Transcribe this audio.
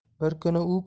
bir kuni u ko'chada